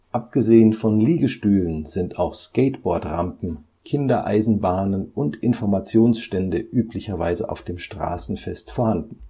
Abgesehen von Liegestühlen sind auch Skateboardrampen, Kinder-Eisenbahnen und Informationsstände üblicherweise auf dem Straßenfest vorhanden